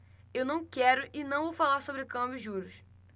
eu não quero e não vou falar sobre câmbio e juros